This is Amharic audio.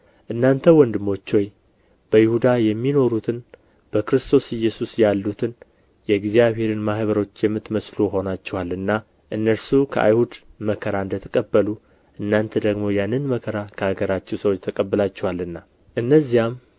እናንተ ወንድሞች ሆይ በይሁዳ የሚኖሩትን በክርስቶስ ኢየሱስ ያሉትን የእግዚአብሔርን ማኅበሮች የምትመስሉ ሆናችኋልና እነርሱ ከአይሁድ መከራ እንደ ተቀበሉ እናንተ ደግሞ ያንን መከራ ከአገራችሁ ሰዎች ተቀብላችኋልና እነዚያም